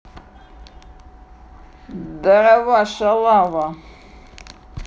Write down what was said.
дарова шалава